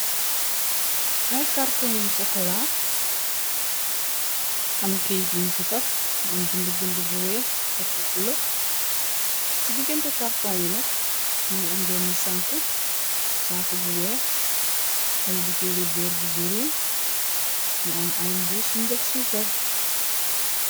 Ay karton yu socola am keyit yiñ ci taf mu am bind-bind bu weex at bu bula ci diggénte karton yi nak mu ngi am benn saku saaku bu weex am bu téleveer bu giriin mu am aymbu suñ daf sukar.